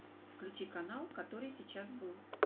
включи канал который сейчас был